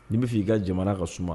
N m'i fɔ' ii ka jamana ka suma